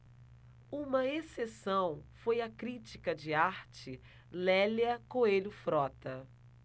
uma exceção foi a crítica de arte lélia coelho frota